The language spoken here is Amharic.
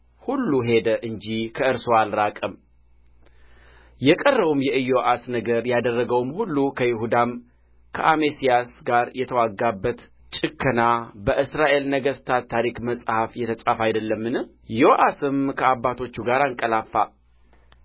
ሁሉ ሄደ እንጂ ከእርስዋ አልራቀም የቀረውም የዮአስ ነገር ያደረገውም ሁሉ ከይሁዳም ከአሜስያስ ጋር የተዋጋበት ጭከና በእስራኤል ነገሥታት ታሪክ መጽሐፍ የተጻፈ አይደለምን ዮአስም ከአባቶቹ ጋር አንቀላፋ